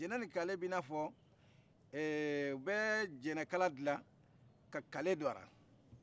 jɛnɛ ni kale bɛna fɔ u bɛ jɛnɛ kala dilan ka kale do ala